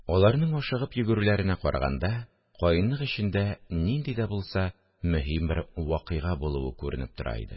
Аларның ашыгып йөгерүләренә караганда, каенлык эчендә нинди дә булса мөһим бер вакыйга булуы күренеп тора иде